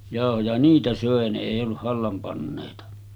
jauhoja niitä söi ne ei ollut hallan panneita